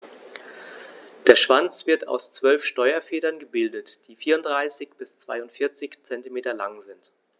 Der Schwanz wird aus 12 Steuerfedern gebildet, die 34 bis 42 cm lang sind.